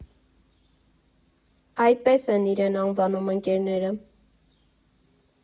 Այդպես են իրեն անվանում ընկերները։